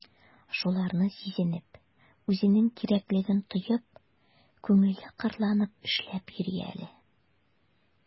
Шуларны сизенеп, үзенең кирәклеген тоеп, күңеле кырланып эшләп йөри әле...